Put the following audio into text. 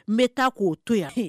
N bɛ taa k'o to yan